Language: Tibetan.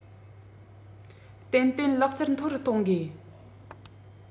ཏན ཏན ལག རྩལ མཐོ རུ གཏོང དགོས